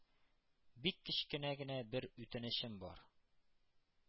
Бик кечкенә генә бер үтенечем бар.